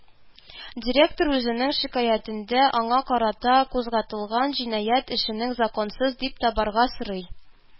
Директор үзенең шикаятендә аңа карата кузгатылган җинаять эшенен законсыз дип табарга сорый